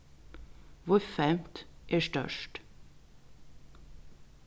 víðfevnt er stórt